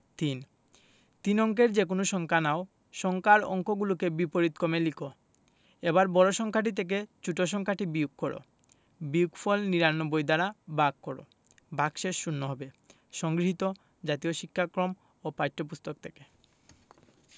৩ তিন অঙ্কের যেকোনো সংখ্যা নাও সংখ্যার অঙ্কগুলোকে বিপরীতকমে লিখ এবার বড় সংখ্যাটি থেকে ছোট সংখ্যাটি বিয়োগ কর বিয়োগফল ৯৯ দ্বারা ভাগ কর ভাগশেষ শূন্য হবে সংগৃহীত জাতীয় শিক্ষাক্রম ও পাঠ্যপুস্তক থেকে